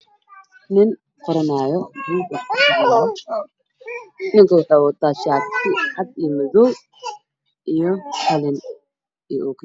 Nin qoranaayo buug ninka waxa uu wataa shaati cadaan iyo oo kuyaalo madow ah